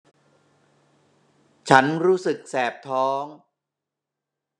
ฉันรู้สึกแสบท้อง